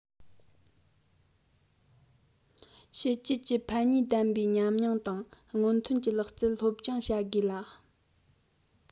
ཕྱི རྒྱལ གྱི ཕན ནུས ལྡན པའི ཉམས མྱོང དང སྔོན ཐོན གྱི ལག རྩལ སློབ སྦྱོང བྱ དགོས ལ